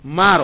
maaro